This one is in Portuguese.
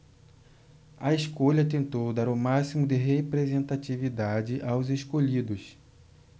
a escolha tentou dar o máximo de representatividade aos escolhidos